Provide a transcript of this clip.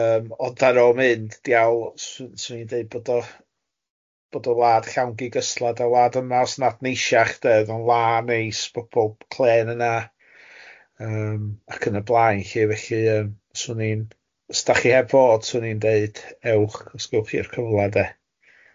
Yym ond ar o'n mynd, diolch swn i'n deud bod o bod o wlad llawn gygystlad a wlad yma os nad neisiach de oedd o'n wlad neis bo' pob clên yna yym ac yn y blaen lly felly yym swn i'n, os dach chi heb fod swn i'n deud ewch os gwelwch chi'r cyfle de.